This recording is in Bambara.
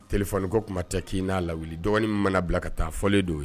T terikɛko kuma cɛ k'i'a lawu dɔgɔnin mana bila ka taa fɔlen don ye